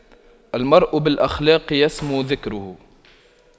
المرء بالأخلاق يسمو ذكره